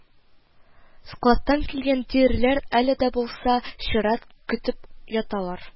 Складтан килгән тиреләр әле дә булса чират көтеп яталар